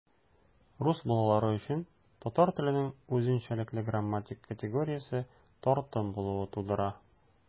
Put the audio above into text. Рус балалары өчен татар теленең үзенчәлекле грамматик категориясе - тартым булуы тудыра.